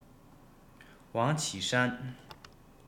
ཝང ཆི ཧྲན